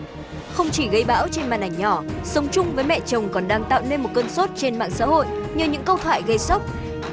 không chỉ gây bão trên màn ảnh nhỏ sống chung với mẹ chồng còn đang tạo nên một cơn sốt trên mạng xã hội nhờ những câu thoại gây sốc